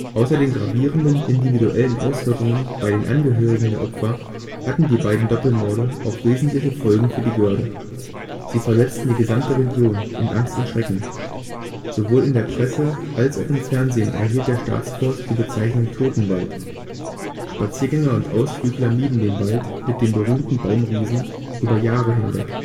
Außer den gravierenden individuellen Auswirkungen bei den Angehörigen der Opfer hatten die beiden Doppelmorde auch wesentliche Folgen für die Göhrde: Sie versetzten die gesamte Region in Angst und Schrecken. Sowohl in der Presse als auch im Fernsehen erhielt der Staatsforst die Bezeichnung „ Totenwald “. Spaziergänger und Ausflügler mieden den Wald mit den berühmten Baumriesen über Jahre hinweg